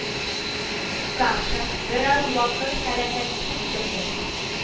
Саша бераз вакыт хәрәкәтсез торды